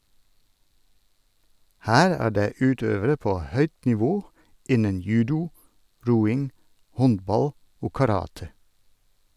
- Her er det utøvere på høyt nivå innen judo, roing, håndball og karate.